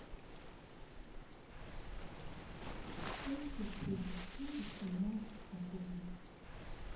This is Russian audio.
сколько будет девять умножить на три